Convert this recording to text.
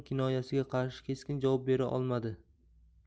kinoyasiga qarshi keskin javob bera olmadi